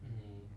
niin